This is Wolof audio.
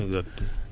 exacte